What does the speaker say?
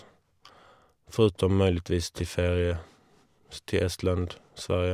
Foruten muligvis til ferie s til Estland, Sverige.